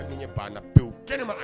Ɲɛ banna bɛɛ kɛnɛ